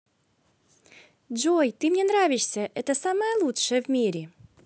джой ты мне нравишься это самое лучшее в мире